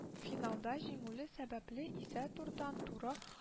Финалда җиңүле сәбәпле исә турыдан-туры